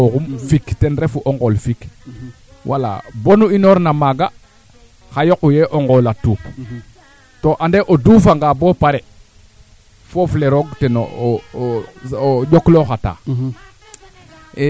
a reta nga bo kam ndiing waaga jegma a arakuɓu sap waaga koy kaa ndoose el waaga moom arosage o kaa ndose elo yo ndaa kaa weeke ne'ang ñor ñaar fene fa a araake na nduufel so xana mboor bo a mbuurel